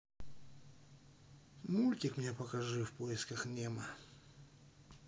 мультик мне покажи в поисках немо